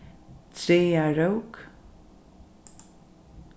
traðarók